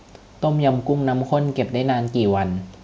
ต้มยำกุ้งน้ำข้นเก็บได้นานกี่วัน